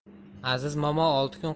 aziz momo olti kun